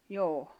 joo